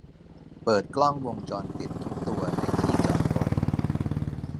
เปิดกล้องวงจรปิดทุกตัวในที่จอดรถ